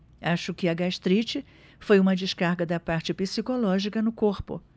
acho que a gastrite foi uma descarga da parte psicológica no corpo